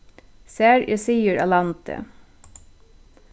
sær er siður á landi